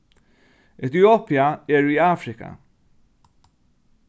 etiopia er í afrika